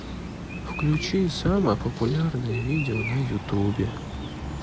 включи самое популярное видео на ютубе